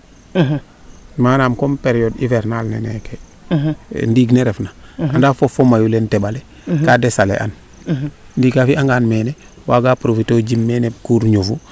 manaam comme hivernage ne neeke nding ne refna anda fofo mayu le teɓale kaa desalé an nddiki a fi'a ngaan nenee waaga profiter oox jim meene cour ñofu